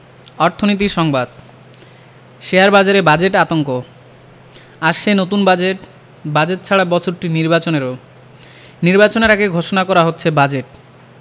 অর্থনীতি সংবাদ শেয়ারবাজারে বাজেট আতঙ্ক আসছে নতুন বাজেট বাজেট ছাড়া বছরটি নির্বাচনেরও নির্বাচনের আগে ঘোষণা করা হচ্ছে বাজেট